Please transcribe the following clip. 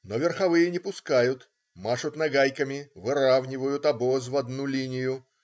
Но верховые не пускают, машут нагайками, выравнивают обоз в одну линию.